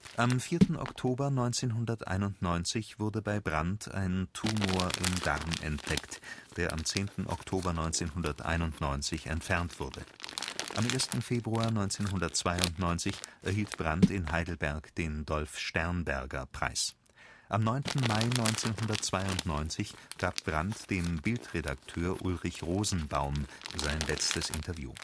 Am 4. Oktober 1991 wurde bei Brandt ein Tumor im Darm entdeckt, der am 10. Oktober 1991 entfernt wurde. Am 1. Februar 1992 erhielt Brandt in Heidelberg den Dolf-Sternberger-Preis. Am 9. Mai 1992 gab Brandt dem Bild-Redakteur Ulrich Rosenbaum sein letztes Interview